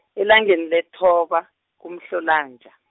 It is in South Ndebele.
elangeni lethoba, kuMhlolanja.